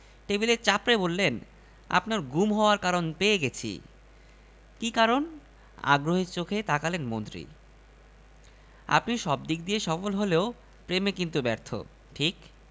আচ্ছা ভাই একটা ব্যাপার সকাল থেকে কেউ আমাকে দেখতে পেল না অথচ আপনি আমাকে দেখলেন শুধু দেখলেন না চিনেও ফেললেন এটা কীভাবে সম্ভব হলো